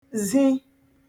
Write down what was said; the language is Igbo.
zi